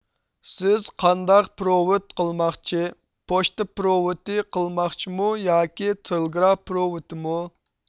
سىز قانداق پېرېۋوت قىلماقچى پوچتا پېرېۋوتى قىلماقچىمۇ ياكى تېلېگراف پېرېۋوتىمۇ